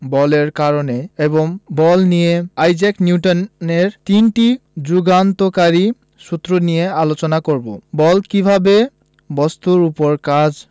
বলের কারণে এবং বল নিয়ে আইজাক নিউটনের তিনটি যুগান্তকারী সূত্র নিয়ে আলোচনা করব বল কীভাবে বস্তুর উপর কাজ